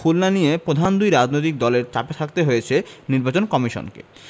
খুলনা নিয়ে প্রধান দুই রাজনৈতিক দলের চাপে থাকতে হয়েছে নির্বাচন কমিশনকে